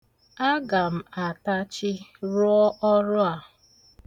Agam atachi rụọ ọrụ a.